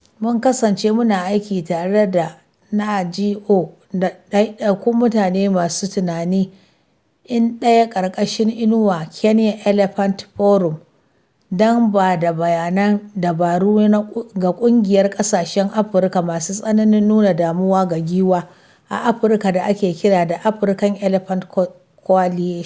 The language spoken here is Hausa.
Mun kasance muna aiki tare da NGOs da ɗaiɗaikun mutane masu tunani iri ɗaya ƙarƙashin inuwar Kenya Elephant Forum (KEF), don ba da bayanan dabaru ga ƙungiyar ƙasashen Afirka masu tsananin nuna damuwa da giwa a Afirka, da ake kira da African Elephant Coalition (AEC).